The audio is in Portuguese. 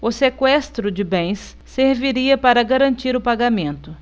o sequestro de bens serviria para garantir o pagamento